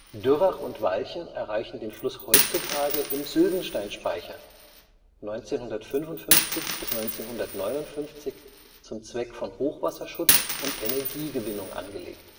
Dürrach und Walchen erreichen den Fluss heutzutage im Sylvensteinspeicher, 1955 – 1959 zum Zweck von Hochwasserschutz und Energiegewinnung angelegt